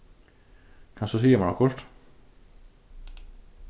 kanst tú siga mær okkurt